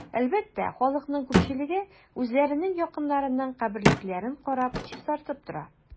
Әлбәттә, халыкның күпчелеге үзләренең якыннарының каберлекләрен карап, чистартып тора.